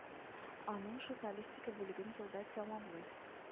Аның журналистика бүлеген елда тәмамлый